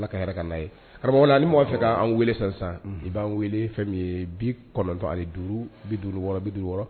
Ala ka yɛrɛ ka n'a ye ani m'a fɛ k'an weele sisan i b'an weele fɛn min ye bi kɔnɔntɔn ani duuru bi duuru wɔɔrɔ bi duuru wɔɔrɔ